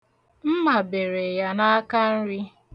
Mma bere ya n'akanri.